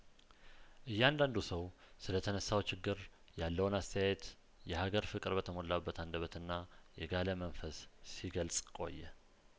እያንዳንዱ ሰው ስለተነሳው ችግር ያለውን አስተያየት የሀገር ፍቅር በተሞላበት አንደበትና የጋለመንፈስ ሲገለጽ ቆየ